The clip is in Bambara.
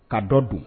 Ka dɔ dun